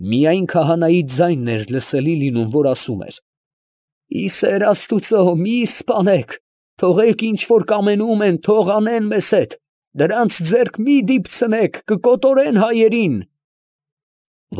Միայն քահանայի ձայնն էր լսելի լինում, որ ասում էր. ֊ Ի սեր ասաուծո, է մի՛ սպանեք, թողեք, ինչ որ կամենում են թո՛ղ անեն մեզ հետ. դրանց ձեռք մի՛ դիպցնեք. կկոտորեն հայերին…։